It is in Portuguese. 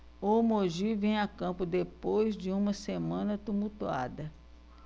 o mogi vem a campo depois de uma semana tumultuada